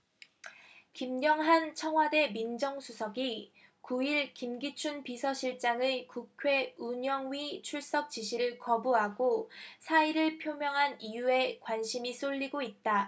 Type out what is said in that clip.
김영한 청와대 민정수석이 구 일 김기춘 비서실장의 국회 운영위 출석 지시를 거부하고 사의를 표명한 이유에 관심이 쏠리고 있다